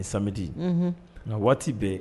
Smedi nka waati bɛɛ.